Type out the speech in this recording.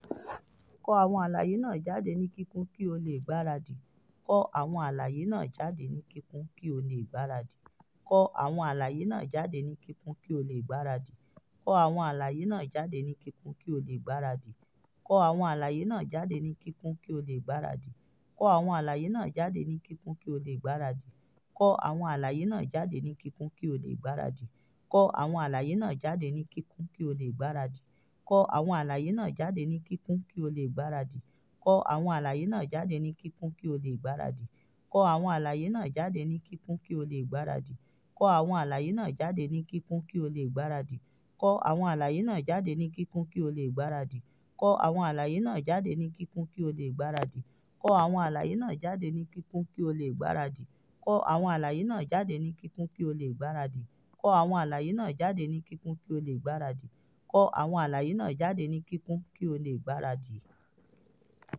Kọ àwọn àlàyé náà jáde ní kíkún kí ó lè gbaradì.